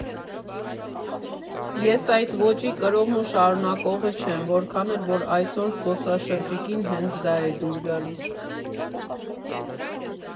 Ես այդ ոճի կրողն ու շարունակողը չեմ, որքան էլ որ այսօր զբոսաշրջիկին հենց դա է դուր գալիս։